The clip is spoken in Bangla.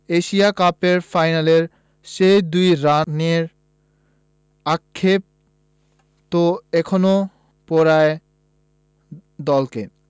এশিয়া কাপের ফাইনালের সেই ২ রানের আক্ষেপ তো এখনো পোড়ায় দলকে